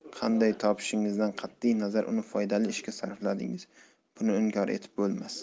qanday topishingizdan qat'iy nazar uni foydali ishga sarfladingiz buni inkor etib bo'lmas